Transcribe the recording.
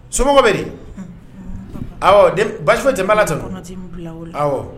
Somɔgɔw bɛ di, awɔ baasi foyi tɛ yen n bɛ Ala tanu, awɔ